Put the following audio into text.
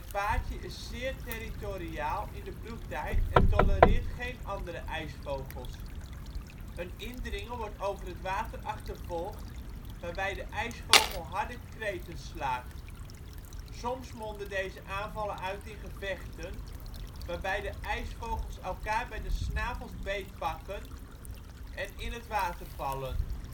paartje is zeer territoriaal in de broedtijd en tolereert geen andere ijsvogels. Een indringer wordt over het water achtervolgd, waarbij de ijsvogel harde kreten slaakt. Soms monden deze aanvallen uit in gevechten, waarbij de ijsvogels elkaar bij de snavels beetpakken en in het water vallen